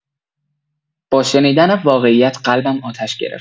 با شنیدن واقعیت قلبم آتش گرفت.